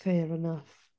Fair enough.